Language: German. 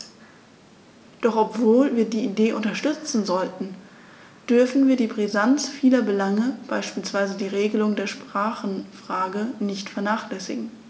Doch obwohl wir die Idee unterstützen sollten, dürfen wir die Brisanz vieler Belange, beispielsweise die Regelung der Sprachenfrage, nicht vernachlässigen.